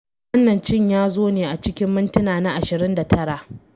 Wannan cin ya zo ne a cikin mintina na 29.